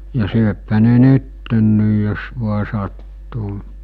ja syöpähän ne nyt jos vain sattuu